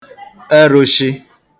erūshị̄